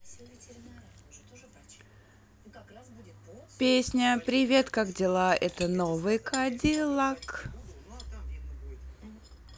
песня привет как дела это новый кадиллак